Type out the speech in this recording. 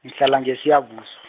ngihlala ngeSiyabuswa .